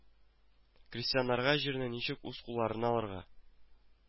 Крестьяннарга җирне ничек үз кулларына алырга